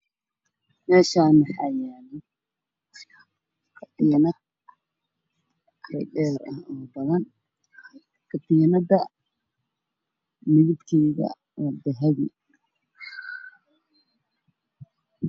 Meeshaani waxaa yaalo katiinad oo dhaadheer oo badan katiinada midabkeeda waa dahabi